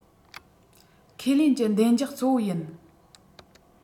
ཁས ལེན ཀྱི བདེ འཇགས གཙོ བོ ཡིན